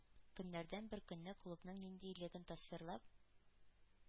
Көннәрдән бер көнне клубның ниндилеген тасвирлап,